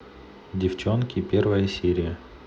девчонки первая серия